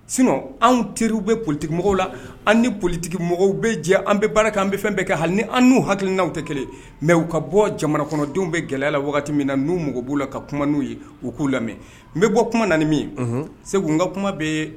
Sɔ anw teriw bɛ politigi mɔgɔw la an ni politigi mɔgɔw bɛ jɛ an bɛ baara kɛ an bɛ fɛn bɛɛ ka ha an'u hakilikil n'aw tɛ kelen mɛ u ka bɔ jamana kɔnɔdenw bɛ gɛlɛya la wagati min na n'u mago b'u la ka kuma n'u ye u k'u lamɛn n bɛ bɔ kuma na min segu n ka kuma bɛ yen